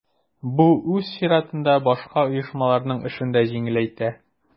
Бу үз чиратында башка оешмаларның эшен дә җиңеләйтә.